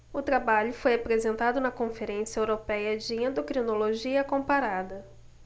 o trabalho foi apresentado na conferência européia de endocrinologia comparada